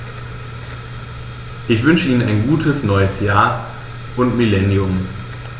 Ich wünsche Ihnen ein gutes neues Jahr und Millennium.